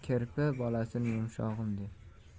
kirpi bolasini yumshog'im der